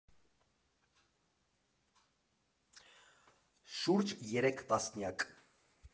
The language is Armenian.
Շուրջ երեք տասնյակ։